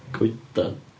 goedan?